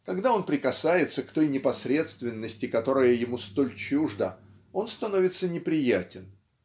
Когда он прикасается к той непосредственности которая ему столь чужда он становится неприятен